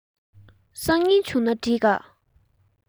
སང ཉིན བྱུང ན འགྲིག ག